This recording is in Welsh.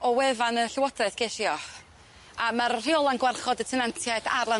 o wefan y llywodraeth gesh i o. A ma'r rheola'n gwarchod y tenantiaid a'r landlord.